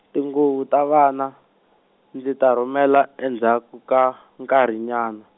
tinguvu ta vana, ndzi ta rhumela endzhaku ka, nkarhinyana.